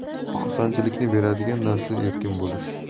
xursandchilikni beradigan narsa erkin bo'lish